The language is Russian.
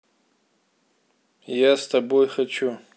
я с тобой хочу